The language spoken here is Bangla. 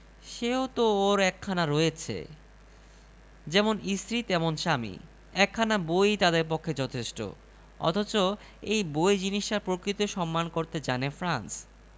গালিগালাজ কটুকাটব্য করে জিদে র প্রাণ অতিষ্ঠ করে তুলল কিন্তু আশ্চর্য জিদে র লেখক বন্ধুদের অধিকাংশই চুপ করে সবকিছু শুনে গেলেন জিদে র হয়ে লড়লেন না